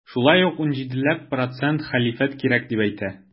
Шулай ук 17 ләп процент хәлифәт кирәк дип әйтә.